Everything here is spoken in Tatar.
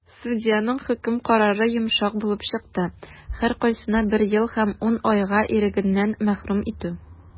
Судьяның хөкем карары йомшак булып чыкты - һәркайсына бер ел һәм 10 айга ирегеннән мәхрүм итү.